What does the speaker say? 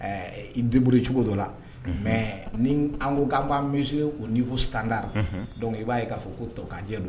I dibururi cogo dɔ la mɛ ni an ko ganan' misi o ni fo sanda dɔnku i b'a k'a fɔ ko tɔkanjɛ don